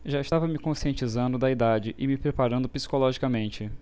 já estava me conscientizando da idade e me preparando psicologicamente